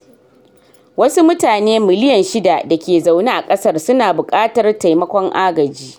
Wasu mutane miliyan shida da ke zaune a kasar su na bukatar taimakon agaji.